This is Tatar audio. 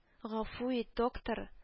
— гафү ит, доктор